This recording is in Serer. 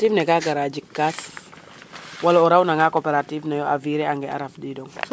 cooperative ka gara jik casse wala o raw nanga cooperative ne yo a virer ange a raf dingo